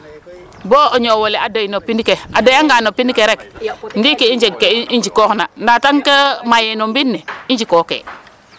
Bo o ñoow ole a doy no pind ke, a doyanga no pind ke rek ndiiki i njeg ke i njikooxna ndaa tank mayee no mbind ne i njikookee.